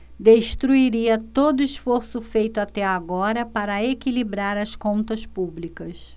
destruiria todo esforço feito até agora para equilibrar as contas públicas